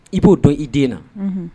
I b'o dɔn i den na